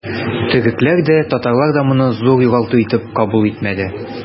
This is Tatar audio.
Төрекләр дә, татарлар да моны зур югалту итеп кабул итмәде.